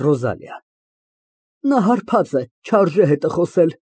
ՌՈԶԱԼԻԱ ֊ Նա հարբած է, չարժե հետը խոսել։